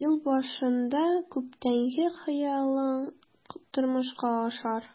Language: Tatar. Ел башында күптәнге хыялың тормышка ашар.